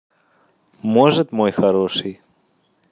может мой хороший